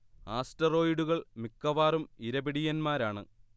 ആസ്റ്ററോയ്ഡുകൾ മിക്കവാറും ഇരപിടിയന്മാരാണ്